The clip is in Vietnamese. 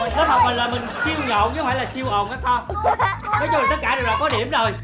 rồi lớp học mình là mình siêu nhộn chứ không phải là siêu ồn các con nói chung tất cả đều đã có điểm rồi